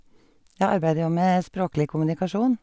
Jeg arbeider jo med språklig kommunikasjon.